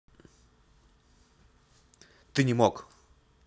ты не мог